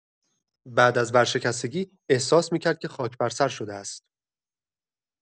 بعد از ورشکستگی، احساس می‌کرد که خاک بر سر شده است.